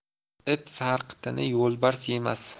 it sarqitini yo'lbars yemas